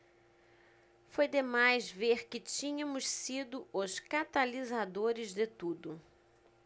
foi demais ver que tínhamos sido os catalisadores de tudo